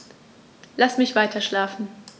Lass mich weiterschlafen.